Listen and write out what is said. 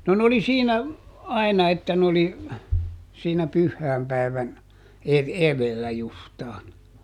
no ne oli siinä aina että ne oli siinä pyhäinpäivän - edellä justiin